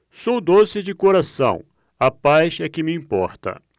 sou doce de coração a paz é que me importa